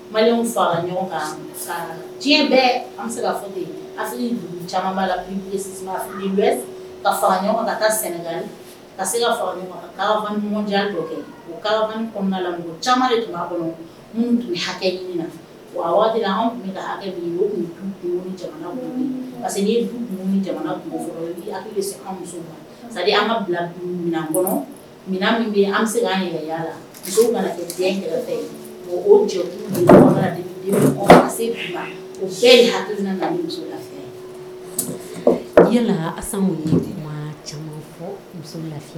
Fa ɲɔgɔn kan bɛɛ an la ka ɲɔgɔn sɛnɛ ka se hakɛ parce an ka min bɛ an se yɛrɛ la hakili